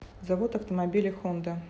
завод автомобилей honda